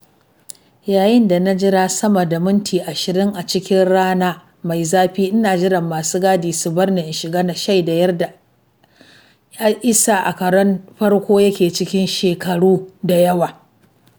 Yayin da na jira sama da minti 20 a cikin rana mai zafi ina jiran masu gadi su bar ni shiga, na shaida yadda isa a karon farko yake cikin shekaru da yawa.